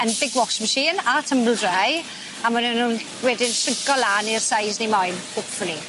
Yn big washing machine a tymble dry a ma' nw nw'n wedyn shrinco lan i'r seis ni moyn hopefully.